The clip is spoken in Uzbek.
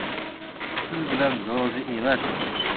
siz bilan rozi emasman